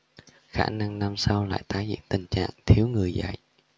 khả năng năm sau lại tái diễn tình trạng thiếu người dạy